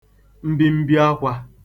mbimbiakwā